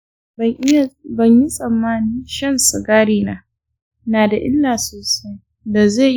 ban yi tsammanin shan sigarina na da illa sosai da zai iya jawo mun matsala ba.